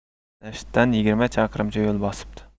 dashtdan yigirma chaqirimcha yo'l bosibdi